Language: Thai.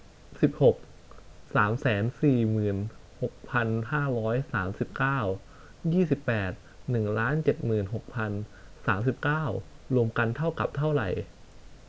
สิบหกสามแสนสี่หมื่นหกพันห้าร้อยสามสิบเก้ายี่สิบแปดหนึ่งล้านเจ็ดหมื่นหกพันสามสิบเก้ารวมกันเท่ากับเท่าไหร่